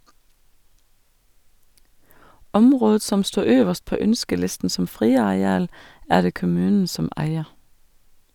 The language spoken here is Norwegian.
Området som sto øverst på ønskelisten som friareal, er det kommunen som eier.